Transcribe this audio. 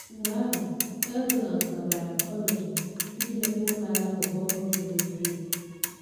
Mgbe ahụ Erdogan gabara Cologne iji mepee ụlọ alakụba ọhụrụ buru oke ibu.